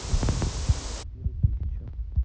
фильм вампиры тысяча